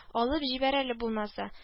Алып җибәр әле булмаса